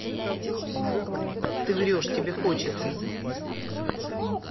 ты врешь тебе хочется